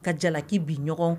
Ka jalaki bin ɲɔgɔn